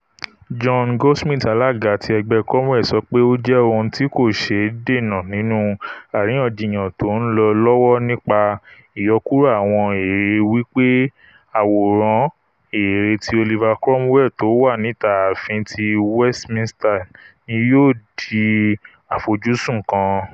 John Goldsmith, alága ti Ẹgbẹ́ Cromwell, sọ pé: “Ó jẹ́ ohun tí kò ṣée dènà nínú àríyànjiyàn tó ńlọ lọ́wọ́ nípa ìyọkúrò àwọn èère wí pé àwòrán èèrè ti Oliver Cromwell tówà níta Ààfin ti Westminster ni yóò di àfojúsùn kan.